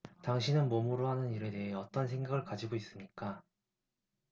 당신은 몸으로 하는 일에 대해 어떤 생각을 가지고 있습니까